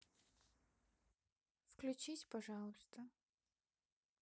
включись пожалуйста